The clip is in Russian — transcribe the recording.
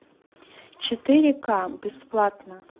четыре к бесплатно